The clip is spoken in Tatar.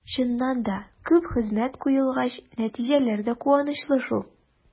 Чыннан да, күп хезмәт куелгач, нәтиҗәләр дә куанычлы шул.